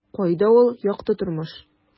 Кайда ул - якты тормыш? ..